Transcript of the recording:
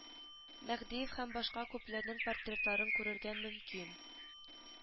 Мәһдиев һәм башка күпләрнең портретларын күрергә мөмкин